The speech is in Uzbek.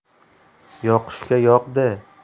yoqishga yoqdi